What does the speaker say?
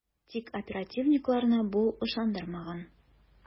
Тик оперативникларны бу ышандырмаган ..